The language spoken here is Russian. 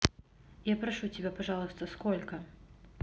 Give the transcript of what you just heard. я прошу тебя пожалуйста сколько